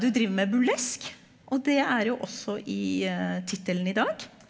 du driver med burlesk og det er jo også i tittelen i dag.